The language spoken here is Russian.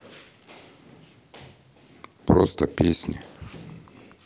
просто песни